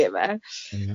Ie...